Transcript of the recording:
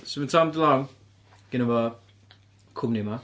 so ma' Tom DeLonge gynno fo cwmni yma...